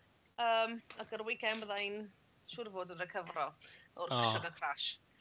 Yym ac ar y weekend, bydda i'n siwr fod yn recyfro o'r... o. ...sugar crash.